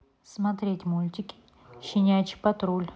смотреть мультфильмы щенячий патруль